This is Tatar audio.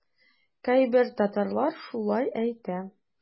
Кайбер татарлар шулай әйтә.